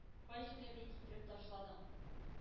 Кай җирләргә китреп ташладың.